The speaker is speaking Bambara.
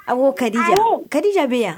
A ko ka dija ka di jaabi bɛ yan